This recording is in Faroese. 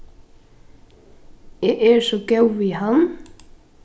eg eri so góð við hann